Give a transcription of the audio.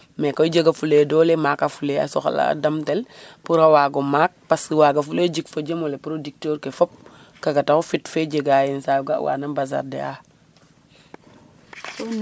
Mais koy jegee doole makafulee a soxla'a damtel pour a waag o maak waagafulee jik fo jem ole producteur ke fop kaaga taxu fit fe jega yenisaay o ga' wana mbazarde.